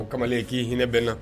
Ko kamalen k'i hinɛ bɛ na.